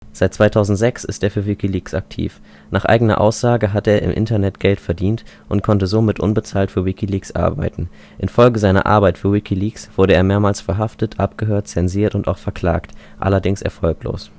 Seit 2006 ist er für WikiLeaks aktiv. Nach eigener Aussage hat er „ im Internet Geld verdient “und konnte somit unbezahlt für WikiLeaks arbeiten. Infolge seiner Arbeit für WikiLeaks wurde er mehrmals verhaftet, abgehört, zensiert und auch verklagt, allerdings erfolglos